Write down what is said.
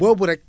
boobu rek